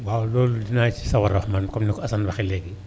waaw loolu dinaa si sawar wax man comme ni ko Assane waxee léegi